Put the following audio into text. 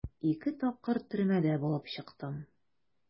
Ике тапкыр төрмәдә булып чыктым.